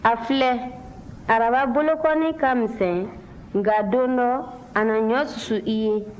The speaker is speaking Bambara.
a filɛ araba bolonkɔni ka misɛn nka don dɔ a na ɲɔ susu i ye